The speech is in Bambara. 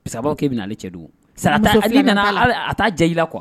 Parce que a b'a fɔ k'e bɛna ale cɛ dogo parce que en temps hali n'i nana hali a taa jiya i la quoi